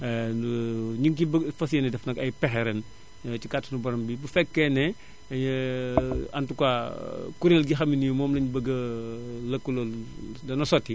ñu ngi siy fas yéene def nag ay pexe ren ci katanu boroom bi bu fekkee ne ent tout cas kuréel gi xam ne nii moom lañu bëgg a lëkëlool dana soti